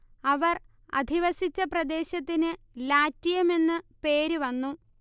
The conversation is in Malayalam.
അവർ അധിവസിച്ച പ്രദേശത്തിന് ലാറ്റിയം എന്നു പേര് വന്നു